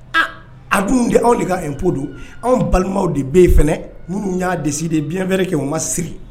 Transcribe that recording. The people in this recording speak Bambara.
Aa a dun de anw de k'a'o don anw balimaw de bɛ ye fana minnu y'a de de bi wɛrɛɛrɛ kɛ u ma sigi